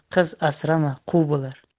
qiz asrama quv bo'lar